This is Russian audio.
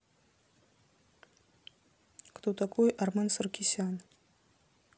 кто такой армен саркисян